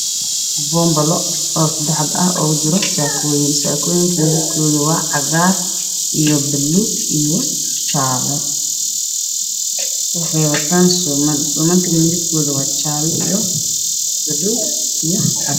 Waa boonbalo seddex xabo ah waxaa kujiro saakooyin midabkoodu waa cagaar, buluug iyo jaale, waxay wataan suuman kalarkeedu waa jaale iyo buluug.